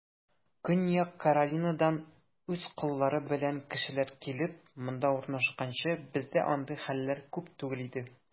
Көньяк Каролинадан үз коллары белән кешеләр килеп, монда урнашканчы, бездә андый хәлләр күп түгел иде.